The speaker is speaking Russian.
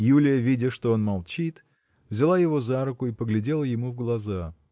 Юлия, видя, что он молчит, взяла его за руку и поглядела ему в глаза.